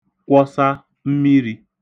kwọsa mmirī